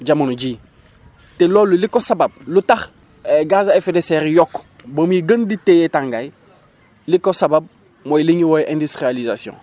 jamono jii te loolu li ko sabab li tax gaz à effet de serre yi yokku ba muy gën di téye tàngaay li ko sabab mooy li ñu woowee industrialisation